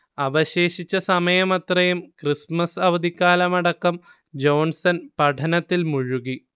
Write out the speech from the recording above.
അവശേഷിച്ച സമയമത്രയും ക്രിസ്മസ് അവധിക്കാലമടക്കം ജോൺസൺ പഠനത്തിൽ മുഴുകി